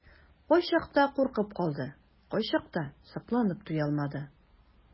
Кайчакта куркып калды, кайчакта сокланып туя алмады.